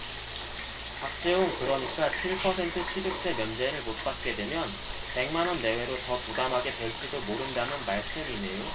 박재홍 그러니까 칠 퍼센트 취득세 면제를 못 받게 되면 백 만원 내외로 더 부담하게 될지도 모른다는 말씀이네요